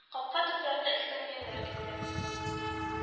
Капка төпләрендә эскәмияләр иде